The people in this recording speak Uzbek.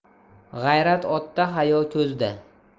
g'ayrat otda hayo ko'zda